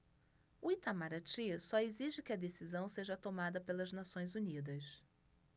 o itamaraty só exige que a decisão seja tomada pelas nações unidas